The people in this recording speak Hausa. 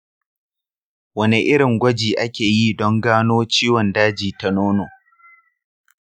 wane irin gwaji ake yi don gano ciwon daji ta nono?